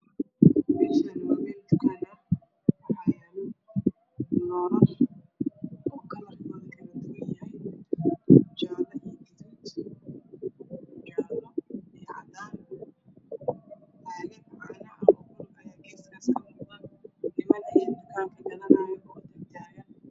Meeshani waa meel dukaan ah waxaa yaalo noolash oo kalarkoodu kala duwan yahay jaale iyo gaduud jaalo iyo cadaan caagad caana ah oo qurub ah ayaa geeskas saaran nin ayaa dukaan ka gadanayo oo dul taagan